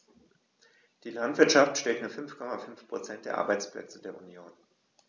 Die Landwirtschaft stellt nur 5,5 % der Arbeitsplätze der Union.